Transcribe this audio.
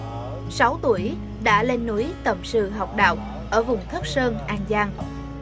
sáu tuổi đã lên núi tầm sư học đạo ở vùng thất sơn an giang